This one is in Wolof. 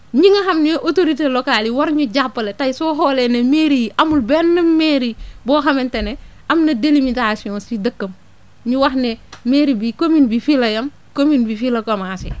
ñi nga xam ñooy autorités locales yi war ñu jàppale tey soo xoolee ne mairies yi amul benn mairie boo xamante ne ma na délimitation si dëkkam ñu wax ne mairie bii commune bi fii la yem commune bi fii la commencé